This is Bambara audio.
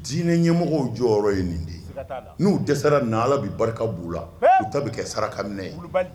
Dinɛ ɲɛmɔgɔ jɔyɔrɔ ye nin de ye n'u dɛsɛsara na ala bɛ barika b'u la u ta bɛ kɛ saraka minɛ